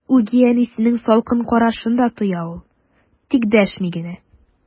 Үги әнисенең салкын карашын да тоя ул, тик дәшми генә.